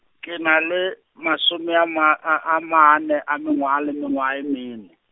ke na le, masome a ma a a mane a mengwaga le mengwaga mene.